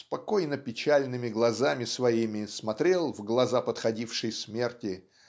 спокойно-печальными глазами своими смотрел в глаза подходившей смерти